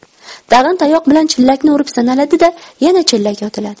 tag'in tayoq bilan chillakni urib sanaladi da yana chillak otiladi